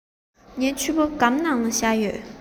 ངའི ཕྱུ པ སྒམ ནང ལ བཞག ཡོད